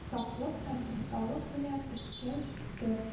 Саклык һәм осталык белән эшкә җикте